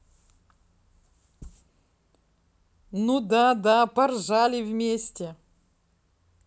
ну да да поржали вместе